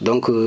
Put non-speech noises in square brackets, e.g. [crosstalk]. [hesitation] [hesitation]